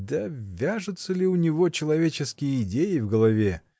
— Да вяжутся ли у него человеческие идеи в голове?